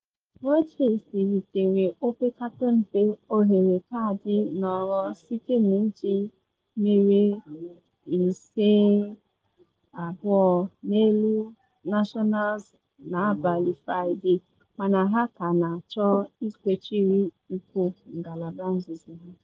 Rochies ritere opekata mpe ohere kaadị nhọrọ site na iji mmeri 5-2 n’elu Nationals n’abalị Fraịde, mana ha ka na achọ ịkwechiri iko ngalaba izizi ha.